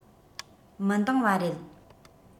མི འདང བ རེད